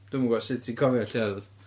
Dwi'm yn gwybod sut ti'n cofio lle oedd...